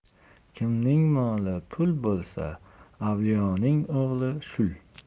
kimning moli puli bo'lsa avliyoning o'g'li shul